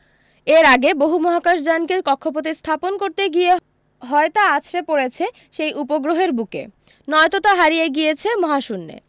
এর আগে বহু মহাকাশযানকে কক্ষপথে স্থাপন করতে গিয়ে হয় তা আছড়ে পড়েছে সেই উপগ্রহের বুকে নয়তো তা হারিয়ে গিয়েছে মহাশূন্যে